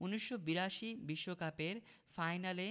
১৯৮২ বিশ্বকাপের ফাইনালে